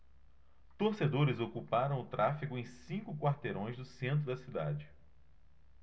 torcedores ocuparam o tráfego em cinco quarteirões do centro da cidade